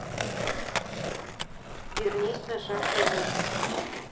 вернись на шаг назад